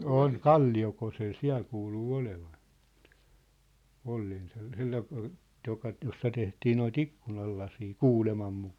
on Kalliokoskella siellä kuuluu olevan olleen - sellainen kuin joka - jossa tehtiin noita ikkunalaseja kuuleman mukaan